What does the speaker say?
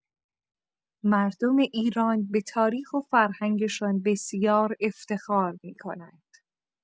مردم ایران به‌تاریخ و فرهنگشان بسیار افتخار می‌کنند.